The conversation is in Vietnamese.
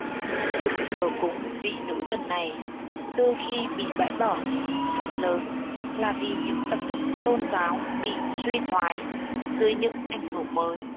việc thờ cúng vị nữ thần này đôi khi bị bãi bỏ phần lớn là vì những tập tục tôn giáo bị suy thoái dưới những ảnh hưởng mới